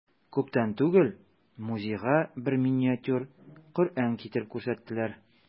Күптән түгел музейга бер миниатюр Коръән китереп күрсәттеләр.